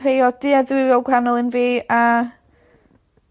Rhei o duedd rhywiol gwahanol i un fi a